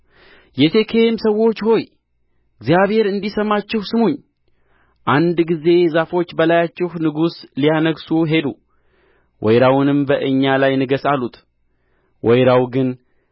የሴኬም ሰዎች ሆይ እግዚአብሔር እንዲሰማችሁ ስሙኝ አንድ ጊዜ ዛፎች በላያቸው ንጉሥ ሊያነግሡ ጌዱ ወይራውንም በእኛ ላይ ንገሥ አሉት ወይራው ግን